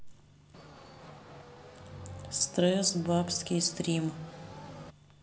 стресс бабский стрим